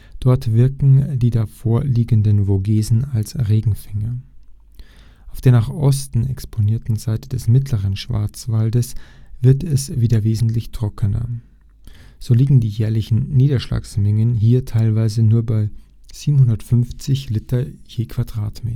Dort wirken die davor liegenden Vogesen als Regenfänger. Auf der nach Osten exponierten Seite des Mittleren Schwarzwalds wird es wieder wesentlich trockener. So liegen die jährlichen Niederschlagsmengen hier teilweise nur bei etwa 750 l/m²